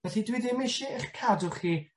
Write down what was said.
Felly dwi ddim isie ech cadw chi